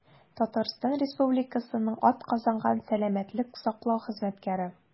«татарстан республикасының атказанган сәламәтлек саклау хезмәткәре»